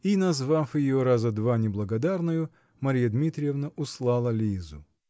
-- И, назвав ее раза два неблагодарною, Марья Дмитриевна услала Лизу.